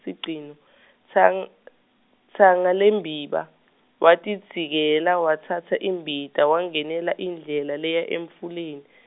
sigcino , tsang- , Tsangalembiba, watidzikela, watsatsa imbita, wangenela indlela leya emfuleni .